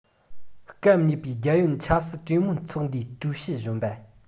སྐབས གཉིས པའི རྒྱལ ཡོངས ཆབ སྲིད གྲོས མོལ ཚོགས འདུའི ཀྲུའུ ཞི གཞོན པ